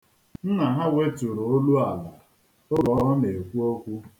Nna ha weturu olu ya ala oge ọ na-ekwu okwu